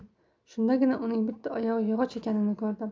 shundagina uning bitta oyog'i yog'och ekanini ko'rdim